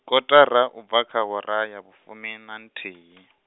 kotara ubva kha awara ya vhufumi na nthihi.